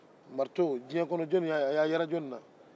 marito diɲɛ kɔnɔ jɔn y'a ye a yela jɔn na